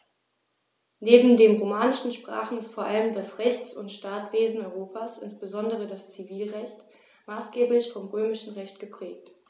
Neben den romanischen Sprachen ist vor allem das Rechts- und Staatswesen Europas, insbesondere das Zivilrecht, maßgeblich vom Römischen Recht geprägt.